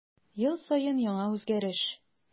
Ел саен яңа үзгәреш.